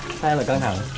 sao em lại căng thẳng